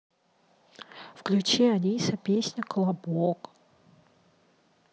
включи алиса песня колобок